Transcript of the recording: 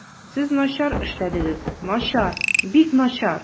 Сез начар эшләдегез, начар, бик начар.